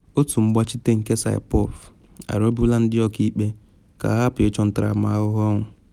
Otu mgbachite nke Saipov arịọbuola ndị ọkaikpe ka ha hapụ ịchọ ntaramahụhụ ọnwụ.